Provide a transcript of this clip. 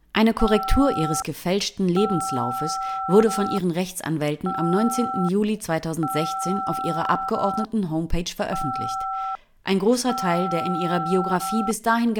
Eine Korrektur ihres gefälschten Lebenslaufes wurde von ihren Rechtsanwälten am 19. Juli 2016 auf ihrer Abgeordnetenhomepage veröffentlicht. Ein großer Teil der in ihrer Biografie bis dahin